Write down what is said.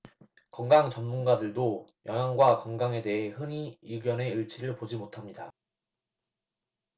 건강 전문가들도 영양과 건강에 대해 흔히 의견의 일치를 보지 못합니다